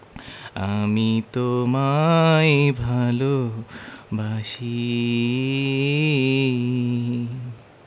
আমি তোমায় ভালোবাসি